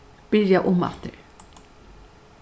byrja umaftur